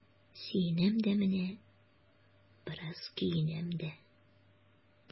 Сөенәм дә менә, бераз көенәм дә.